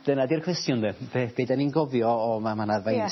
Dyna 'di'r cwestiwn 'de be' be' 'dan ni'n gofio o ma' ma' 'na faint... Ia